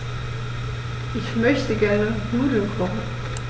Ich möchte gerne Nudeln kochen.